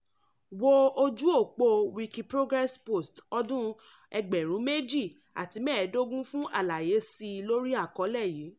Wó ojú-òpó Wikiprogress post-2015 fún àlàyé síi lórí àkọ́lé yìí.